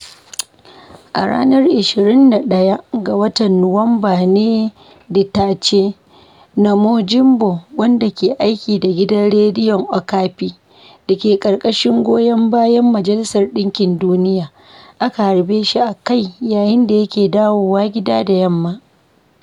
A ranar 21 ga watan Nuwamba ne, Didace Namujimbo, wanda ke aiki da gidan Rediyo Okapi da ke ƙarƙashin goyon bayan Majalisar Ɗinkin Duniya, aka harbe shi a kai yayin da yake dawowa gida da yamma.